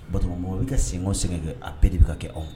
Batɔɔma mama bɛ ka sengɛn o sɛgɛn kɛ a bɛɛ de bɛ ka kɛ anw